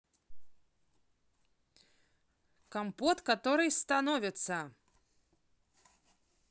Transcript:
компот который становится